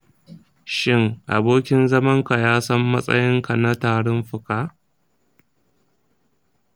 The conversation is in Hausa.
shin abokin zamanka ya san matsayin ka na tarin fuka?